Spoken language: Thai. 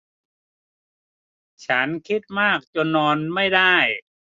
ฉันคิดมากจนนอนไม่ได้